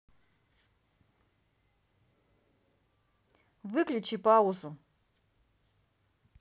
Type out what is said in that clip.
выключи паузу